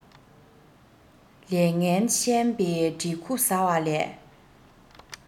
ལས ངན ཤན པའི དྲེག ཁུ བཟའ བ ལས